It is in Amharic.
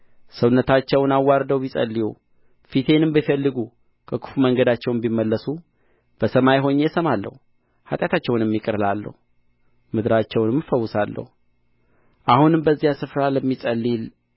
ሰውነታቸውን አዋርደው ቢጸልዩ ፊቴንም ቢፈግሉ ከክፉ መንገዳቸውም ቢመለሱ በሰማይ ሆኜ እሰማለሁ ኃጢአታቸውንም ይቅር እላለሁ ምድራቸውንም እፈውሳለሁ አሁንም በዚህ ስፍራ ለሚጸለይ